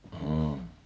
ai